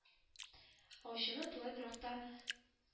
Аучыны тулай торакта